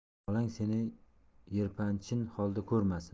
bolang seni yerparchin holda ko'rmasin